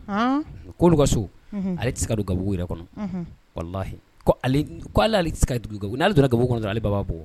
Ko olu ka so, ale tɛ se ka don gabugu yɛrɛ kɔnɔ. Walahi ko ni ale donna gabugu kɔnɔ dɔrɔn ale ba b'a bugɔ.